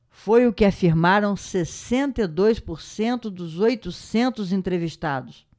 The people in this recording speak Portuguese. foi o que afirmaram sessenta e dois por cento dos oitocentos entrevistados